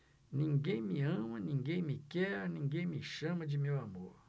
ninguém me ama ninguém me quer ninguém me chama de meu amor